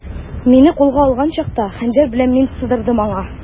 Мине кулга алган чакта, хәнҗәр белән мин сыдырдым аңа.